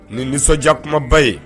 Nin nisɔndiyakumaba ye